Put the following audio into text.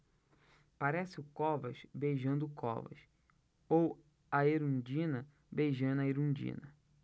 parece o covas beijando o covas ou a erundina beijando a erundina